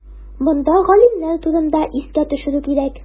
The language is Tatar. Монда галимнәр турында искә төшерү кирәк.